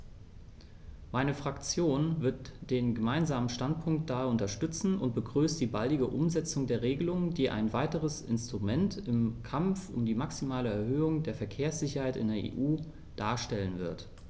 Meine Fraktion wird den Gemeinsamen Standpunkt daher unterstützen und begrüßt die baldige Umsetzung der Regelung, die ein weiteres Instrument im Kampf um die maximale Erhöhung der Verkehrssicherheit in der EU darstellen wird.